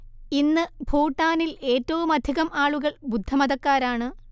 ഇന്ന് ഭൂട്ടാനിൽ ഏറ്റവുമധികം ആളുകൾ ബുദ്ധമതക്കാരാണ്